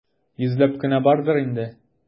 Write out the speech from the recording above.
Йөзләп кенә бардыр инде.